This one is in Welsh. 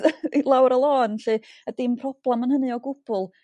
i lawr y lon 'lly a dim problem yn hynny o gwbwl.